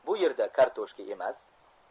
bu yerda kartoshka emas